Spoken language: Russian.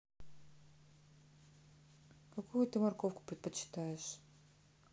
ты какую морковку предпочитаешь